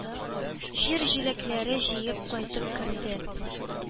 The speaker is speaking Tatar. Җир җиләкләре җыеп кайтып керде.